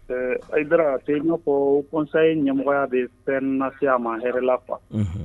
Ara a tɛ'afɔ kɔnsan ye ɲɛmɔgɔya de pnaya ma hɛrɛ la kuwa